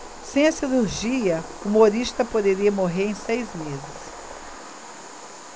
sem a cirurgia humorista poderia morrer em seis meses